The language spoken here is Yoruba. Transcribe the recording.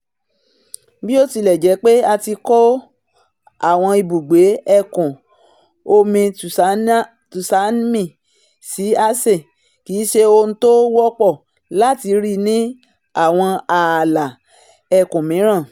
Bó tilẹ̀ jẹ́ pé a ti kọ́ àwọn ibùgbé ẹ̀kún omi tsunami sí Aceh, kìí ṣe ohun tó wọ́pọ̀ láti rí ní àwọn ààlà etíkun mìíràn.